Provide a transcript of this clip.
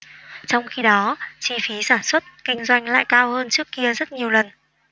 trong khi đó chi phí sản xuất kinh doanh lại cao hơn trước kia rất nhiều lần